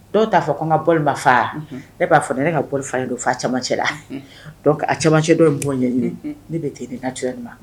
Dɔw t'a fɔ ko n ka bole ma fa wa, unhun, ne b'a fɔ ne ka bole falen don fɔ a camancɛla, unhun, donc a cɛmancɛ dɔ in ye mɔgɔ ɲɛɲini, ne bɛ ten de naturellement